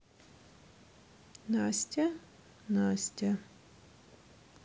настя настя